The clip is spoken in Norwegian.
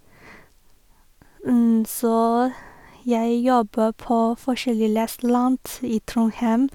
Så jeg jobber på forskjellige restauranter i Trondheim.